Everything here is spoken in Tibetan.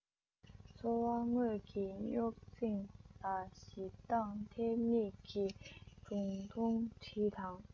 འཚོ བ དངོས ཀྱི སྙོག འཛིང ལ ཞིབ འདང ཐེབས ངེས ཀྱི སྒྲུང ཐུང བྲིས དང